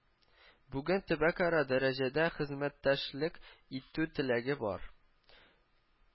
Бүген төбәкара дәрәҗәдә хезмәттәшлек итү теләге бар